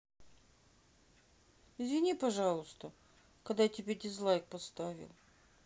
извини пожалуйста когда тебе дизлайк поставил